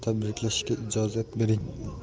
tabriklashga ijozat bering